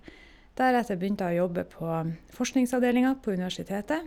Deretter begynte jeg å jobbe på forskningsavdelinga på universitetet.